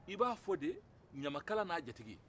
i b'a fɔ de ɲamakala n'a jatigi